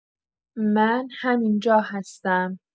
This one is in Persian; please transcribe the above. من همین‌جا هستم.